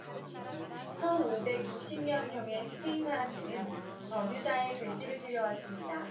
천 오백 육십 년경에 스페인 사람들은 버뮤다에 돼지를 들여왔습니다